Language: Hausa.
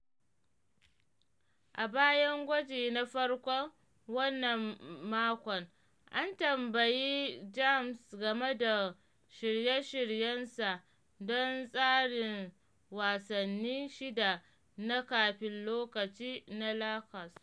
A bayan gwaji na farkon wannan makon, an tambayi James game da shirye-shiryensa don tsarin wasanni shida na kafin lokaci na Lakers.